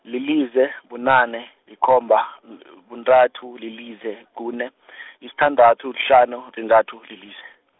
lilize, bunane, yikomba, kuntathu, lilize, kune , sithandathu, kuhlanu, kuntathu lilize.